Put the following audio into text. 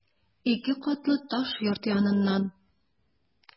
Ике катлы таш йорт яныннан...